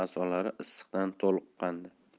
a'zolari issiqdan toliqqandi